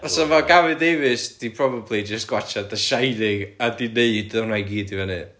so ma' Gavin Davies 'di probably jyst gwatsiad y Shining a 'di neud hwnna i gyd i fyny